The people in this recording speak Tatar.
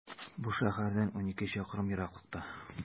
Бу шәһәрдән унике чакрым ераклыкта.